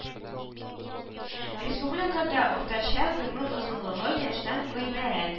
Республикада уртача гомер озынлыгы яшьтән гыйбарәт